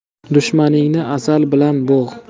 dushmaningni asal bilan bo'g'